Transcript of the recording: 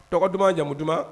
Tɔgɔ duman jamu dumanba